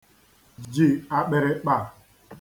ji àkpị̀rị̀kpà